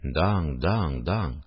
«даң-даң-даң!»